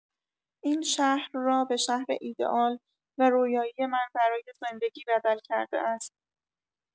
این شهر را به شهر ایده آل و رویایی من برای زندگی بدل کرده است!